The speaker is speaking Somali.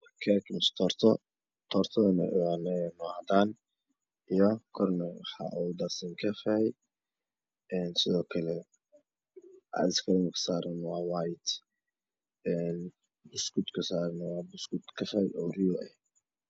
Halkan waxaa tala torto midabkeedu yahay cadan korka waxaa ka saran kafey iyo kareem cadaana